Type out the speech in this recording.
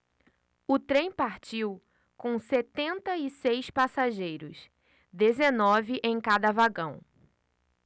o trem partiu com setenta e seis passageiros dezenove em cada vagão